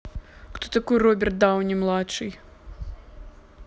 кто такой роберт дауни младший